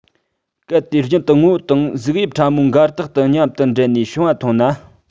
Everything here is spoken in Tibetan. གལ ཏེ རྒྱུན དུ ངོ བོ དང གཟུགས དབྱིབས ཕྲ མོ འགའ རྟག ཏུ མཉམ དུ འབྲེལ ནས བྱུང བ མཐོང ན